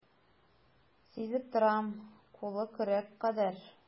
Сизеп торам, кулы көрәк кадәр.